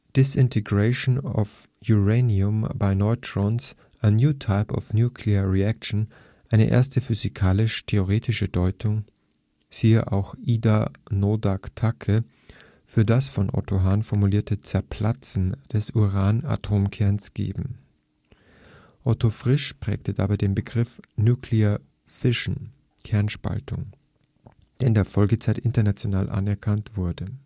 Disintegration of Uranium by Neutrons: a New Type of Nuclear Reaction “eine erste physikalisch-theoretische Deutung (siehe auch Ida Noddack-Tacke) für das von Otto Hahn formulierte „ Zerplatzen “des Uran-Atomkerns geben. Otto Frisch prägte dabei den Begriff „ nuclear fission “(Kernspaltung), der in der Folgezeit international anerkannt wurde